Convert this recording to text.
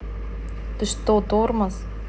ты что тормоз